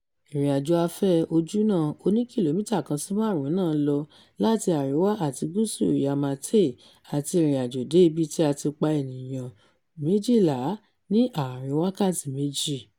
Ìrìnàjò afẹ́ ojúnà oní kìlómítà 1.5 náà lọ láti arẹwà àti gúúsù Yau Ma Tei, àti ìrìnàjò dé ibi tí a ti pa ènìyàn 12 ní àárín-in wákàtí méjì.